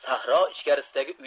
sahro ichkarisidagi